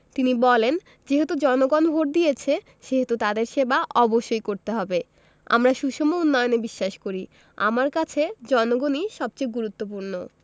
তিনি বলেন যেহেতু জনগণ ভোট দিয়েছে সেহেতু তাদের সেবা অবশ্যই করতে হবে আমরা সুষম উন্নয়নে বিশ্বাস করি আমার কাছে জনগণই সবচেয়ে গুরুত্বপূর্ণ